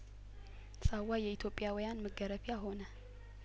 ሳዋ የኢትዮጵያውያን መገረፈ ያሆነ